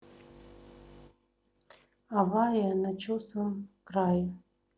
авария начесом крае